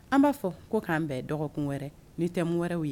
An ba fɔ ko kan bɛn dɔgɔkun wɛrɛ ni thème ye.